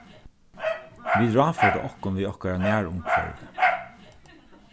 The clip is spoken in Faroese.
vit ráðførdu okkum við okkara nærumhvørvi